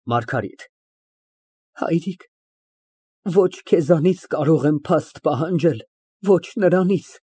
ՄԱՐԳԱՐԻՏ ֊ Հայրիկ, ոչ քեզանից կարող եմ փաստ պահանջել, ոչ նրանից։